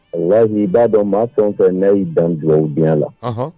Wallahi i b'a don , maa fɛn o fɛ n'a 'i dan dugawudenya la, ɔnhn.